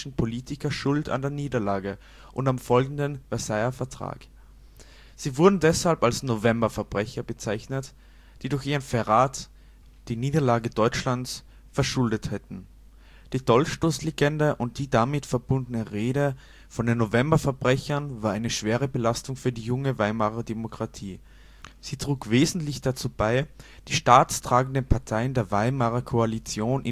Politiker Schuld an der Niederlage und am folgenden Versailler Vertrag. Sie wurden deshalb als „ Novemberverbrecher “bezeichnet, die durch ihren „ Verrat “die Niederlage Deutschlands verschuldet hätten. Die Dolchstoßlegende und die damit verbundene Rede von den „ Novemberverbrechern “war eine schwere Belastung für die junge Weimarer Demokratie. Sie trug wesentlich dazu bei, die staatstragenden Parteien der Weimarer Koalition